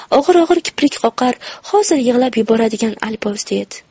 og'ir og'ir kiprik qoqar hozir yig'lab yuboradigan alpozda edi